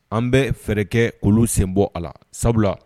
An bɛ fɛɛrɛ kɛ k'olu sen bɔ a la sabula.